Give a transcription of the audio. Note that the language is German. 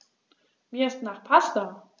Mir ist nach Pasta.